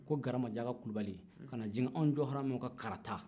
ko garanbajaka kulibali ka na jigi anw jɔwɔrɔmɛw kan karata